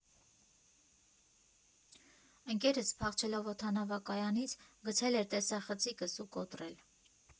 Ընկերս, փախչելով օդանավակայանից, գցել էր տեսախցիկս ու կոտրել։